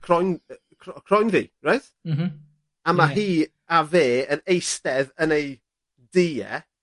croen yy cr- croenddu reit? M-hm ie. A ma' hi a fe yn eistedd yn ei dŷ e.